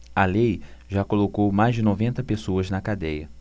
a lei já colocou mais de noventa pessoas na cadeia